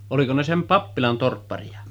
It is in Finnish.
oliko se sen pappilan torpparia